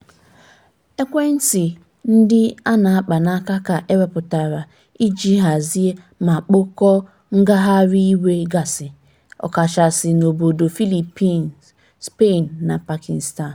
Ekwentị ndị a na-akpanaka ka ewepụtara iji hazie ma kpọkọọ ngagharị iwe gasị – ọkachasị n'obodo Philippines, Spain na Pakistan.